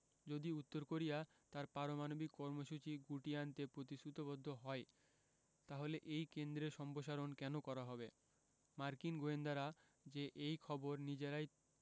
যদি উত্তর কোরিয়া তার পারমাণবিক কর্মসূচি গুটিয়ে আনতে প্রতিশ্রুতিবদ্ধ হয় তাহলে এই কেন্দ্রের সম্প্রসারণ কেন করা হবে মার্কিন গোয়েন্দারা যে এই খবর নিজেরাই